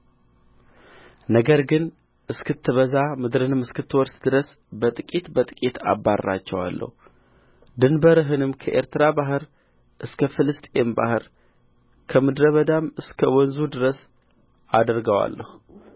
ነገር ግን እስክትበዛ ምድርንም እስክትወርስ ድረስ በጥቂት በጥቂት አባርራቸዋለሁ ድንበርህንም ከኤርትራ ባሕር እስከ ፍልስጥኤም ባሕር ከምድረ በዳም እስከ ወንዙ ድረስ አደርጋለሁ